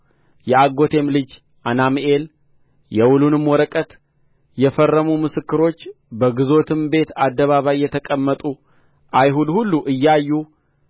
የአጐቴም ልጅ አናምኤል የውሉንም ወረቀት የፈረሙ ምስክሮች በግዞትም ቤት አደባባይ የተቀመጡ አይሁድ ሁሉ እያዩ